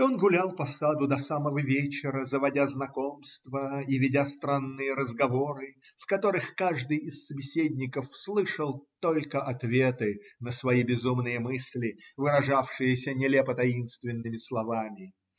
" Он гулял по саду до самого вечера, заводя знакомства и ведя странные разговоры, в которых каждый из собеседников слышал только ответы на свои безумные мысли, выражавшиеся нелепо-таинственными словами.